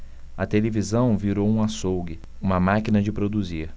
a televisão virou um açougue uma máquina de produzir